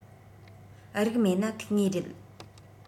རིགས མེད ན ཐུག ངེས རེད